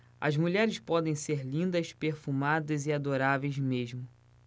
as mulheres podem ser lindas perfumadas e adoráveis mesmo